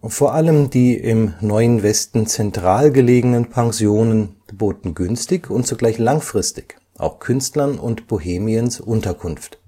Vor allem die im „ Neuen Westen “zentral gelegenen Pensionen boten günstig und zugleich langfristig auch Künstlern und Bohemiens Unterkunft.